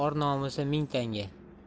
or nomusi ming tanga